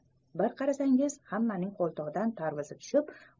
bir qarasangiz hammaning qo'ltig'idan tarvuzi tushib